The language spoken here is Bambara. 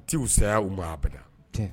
T' u saya u ma a bɛ